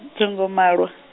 tho ngo malwa.